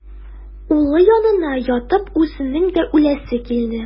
Улы янына ятып үзенең дә үләсе килде.